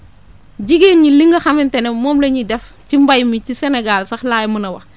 jigéen ñi li nga xamante ne moom la ñuy def ci mbéy mi ci Sénégal sax laay mën a wax